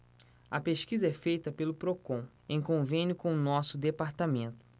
a pesquisa é feita pelo procon em convênio com o diese